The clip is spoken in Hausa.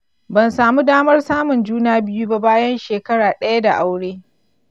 ban samu damar samun juna biyu ba bayan shekara ɗaya da aure.